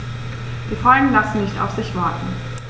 Die Folgen lassen nicht auf sich warten.